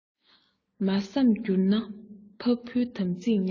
མ བསམས གྱུར ན ཕ བུའི དམ ཚིགས ཉམས